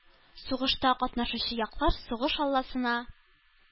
Сугышта катнашучы яклар сугыш алласына